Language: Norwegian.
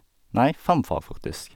Nei, fem fag, faktisk.